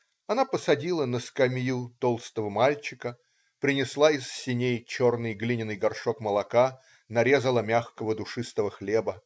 Она посадила на скамью толстого мальчика, принесла из сеней черный, глиняный горшок молока, нарезала мягкого, душистого хлеба.